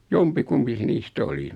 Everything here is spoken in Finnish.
jompikumpi se niistä oli